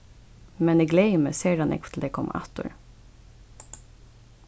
men eg gleði meg sera nógv til tey koma aftur